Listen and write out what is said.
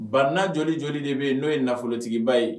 Ba joli joli de bɛ yen n'o ye nafolotigiba ye